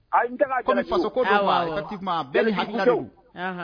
Fa ko bɛɛ ha